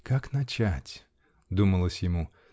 "Как начать?" -- думалось ему.